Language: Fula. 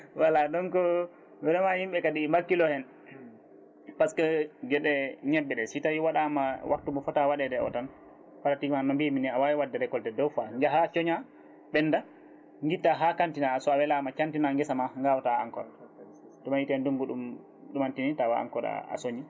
voilà donc vraiment yimɓe kadi bakkilo hen par ce que gueɗe ñebbe ɗe si tawi waɗama waftu mo foota waɗede o tan pratiquement no mbimi nane ni a wawi wadde récolté deux fois jaaha cooña ɓenda guitta ha kantina so weelama santina guesama gawta encore ɗum wiiyete ndugnngu ɗum ɗumantini tawa encore a sooñi